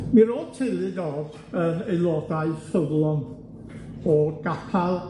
Mi rodd teulu Dodd yn aelodau ffyddlon o Gapal